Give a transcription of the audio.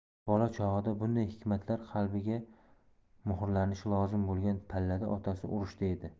bola chog'ida bunday hikmatlar qalbiga muhrlanishi lozim bo'lgan pallada otasi urushda edi